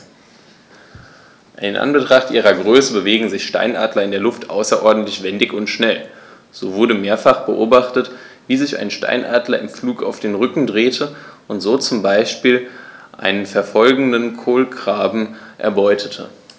In Anbetracht ihrer Größe bewegen sich Steinadler in der Luft außerordentlich wendig und schnell, so wurde mehrfach beobachtet, wie sich ein Steinadler im Flug auf den Rücken drehte und so zum Beispiel einen verfolgenden Kolkraben erbeutete.